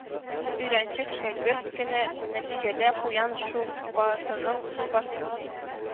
«өйрәнчек шәкерт» кенә, нәтиҗәдә «куян шулпасының шулпасы»